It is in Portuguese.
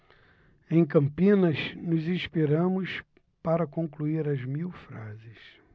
em campinas nos inspiramos para concluir as mil frases